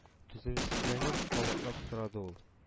Түземсезләнеп, кабатлап сорады ул: